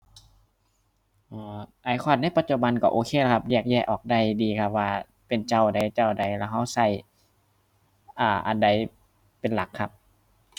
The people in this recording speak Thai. เอ่อ ไอคอนในปัจจุบันก็โอเคนะครับ แยกแยะออกได้ดีครับว่าเป็นเจ้าใดเจ้าใดแล้วก็ก็ อ่า อันใดเป็นหลักครับ